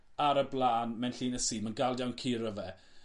ar y bla'n mewn lline sy' ma'n galed iawn curo fe.